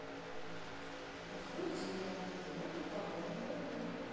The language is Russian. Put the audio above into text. открой чемпионат европы по вольной борьбе